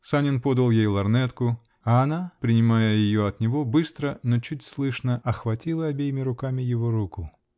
Санин подал ей лорнетку, а она, принимая ее от него, быстро, но чуть слышно, охватила обеими руками его руку.